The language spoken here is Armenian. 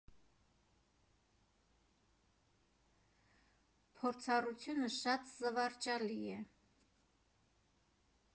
Փորձառությունը շատ զվարճալի է.